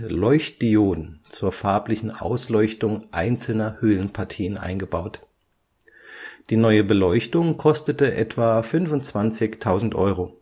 Leuchtdioden (LED) zur farblichen Ausleuchtung einzelner Höhlenpartien eingebaut. Die neue Beleuchtung kostete etwa 25.000 Euro